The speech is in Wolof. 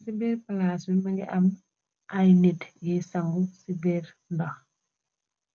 Ci biir palaas wi mëngi am ay nit yiy sangu ci biir ndox,